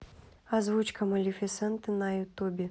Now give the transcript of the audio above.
озвучка малефисенты на ютубе